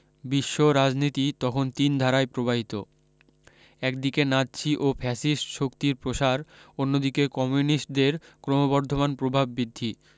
বিশ্ব রাজনীতি তখন তিন ধারায় প্রবাহিত একদিকে নাতসি ও ফ্যাসিস্ট শক্তির প্রসার অন্যদিকে কমিউনিস্টদের ক্রমবর্ধমান প্রভাব বৃদ্ধি